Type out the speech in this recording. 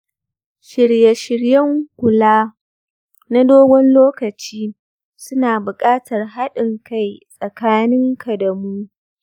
shirye-shiryen kula na dogon lokaci suna bukatar haɗin kai tsakanin ka da mu.